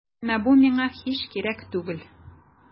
Әмма бу миңа һич кирәк түгел.